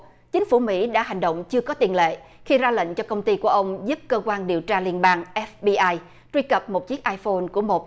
chính phủ mĩ đã hành động chưa có tiền lệ khi ra lệnh cho công ty của ông giúp cơ quan điều tra liên bang ép bi ai truy cập một chiếc ai phôn của một